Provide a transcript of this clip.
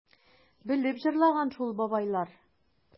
Белеп җырлаган шул бабайлар...